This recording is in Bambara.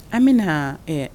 An bɛna na